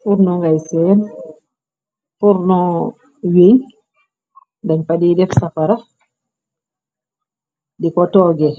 Furno ngay seen, furno wiñ , deñ fa dee def safara di ko tooge,